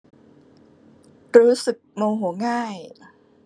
รู้สึกโมโหง่าย